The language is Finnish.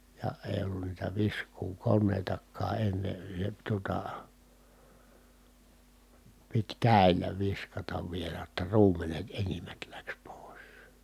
ja ei ollut niitä viskuukoneitakaan ennen se tuota piti käsillä viskata vielä jotta ruumenet enimmät lähti pois